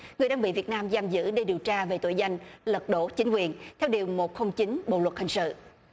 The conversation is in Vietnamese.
người đang bị việt nam giam giữ để điều tra về tội danh lật đổ chính quyền theo điều một không chín bộ luật hình sự